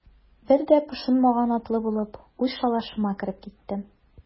Бер дә пошынмаган атлы булып, үз шалашыма кереп киттем.